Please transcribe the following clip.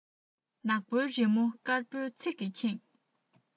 ནག པོའི རི མོ དཀར པོའི ཚིག གིས ཁེངས